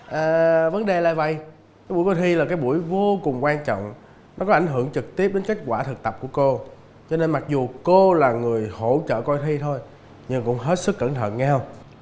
à vấn đề là vầy cái buổi coi thi là cái buổi vô cùng quan trọng nó có ảnh hưởng trực tiếp đến kết quả thực tập của cô cho nên mặc dù cô là người hỗ trợ coi thi thôi nhưng cũng hết sức cẩn thận nghe hông